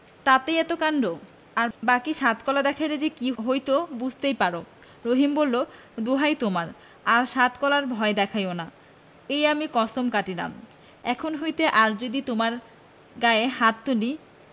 তাতেই এত কাণ্ড আর বাকী সাত কলা দেখাইলে কি যে হইত বুঝিতেই পার রহিম বলিল দোহাই তোমার আর সাত কলার ভয় দেখাইও না এই আমি কছম কাটিলাম এখন হইতে আর যদি তোমার গায়ে হাত তুলি